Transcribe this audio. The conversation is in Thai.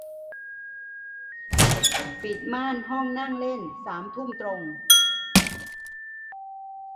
ปิดม่านห้องนั่งเล่นสามทุ่มตรง